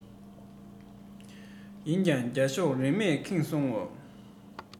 ཡིན ཡང རྒྱ ཤོག རི མོས ཁེངས སོང ངོ